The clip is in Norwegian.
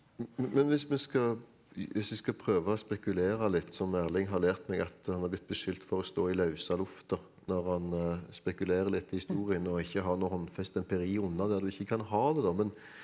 men men hvis vi skal hvis vi skal prøve å spekulere litt som Erling har lært meg at han har blitt beskyldt for å stå i lause lufta når han spekulerer litt i historien og ikke har noe håndfast empiri under der du ikke kan ha det da men.